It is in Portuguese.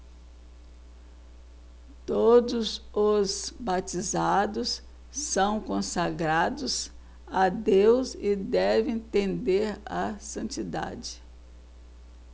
todos os batizados são consagrados a deus e devem tender à santidade